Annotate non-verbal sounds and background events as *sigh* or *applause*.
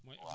*hesitation* *hesitation*